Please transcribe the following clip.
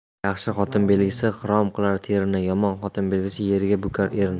yaxshi xotin belgisi xirom qilar terini yomon xotin belgisi yerga bukar erini